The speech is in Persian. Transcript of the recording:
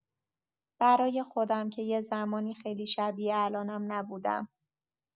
برای خودم که یه زمانی خیلی شبیه الانم نبودم.